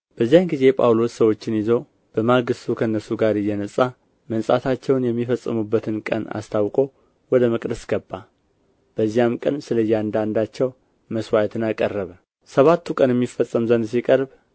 በዚያን ጊዜ ጳውሎስ ሰዎችን ይዞ በማግሥቱ ከእነርሱ ጋር እየነጻ መንጻታቸውን የሚፈጽሙበትን ቀን አስታውቆ ወደ መቅደስ ገባ በዚያም ቀን ስለ እያንዳንዳቸው መሥዋዕትን አቀረቡ ሰባቱ ቀንም ይፈጸም ዘንድ ሲቀርብ